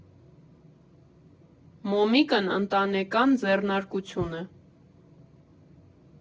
«Մոմիկն» ընտանեկան ձեռնարկություն է։